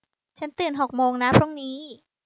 ฉันตื่นหกโมงนะพรุ่งนี้